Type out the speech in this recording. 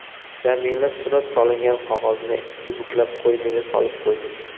jamila surat solingan qog'ozni ikki buklab qo'yniga solib qo'ydi